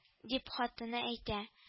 — дип хатыны әйтә